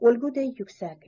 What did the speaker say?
o'lguday yuksak